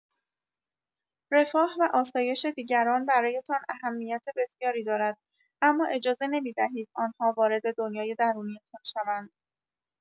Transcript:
رفاه و آسایش دیگران برایتان اهمیت بسیاری دارد، اما اجازه نمی‌دهید آن‌ها وارد دنیای درونی‌تان شوند.